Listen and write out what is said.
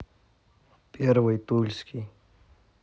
первый тульский